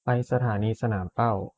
ไปสถานีสนามเป้า